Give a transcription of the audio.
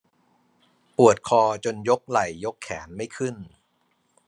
ปวดคอจนยกไหล่ยกแขนไม่ขึ้น